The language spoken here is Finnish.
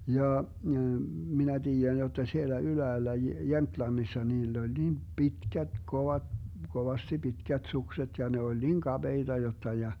jaa minä tiedän jotta siellä ylhäällä Jemtlannissa niillä oli niin pitkät - kovasti pitkät sukset ja ne oli niin kapeita jotta ja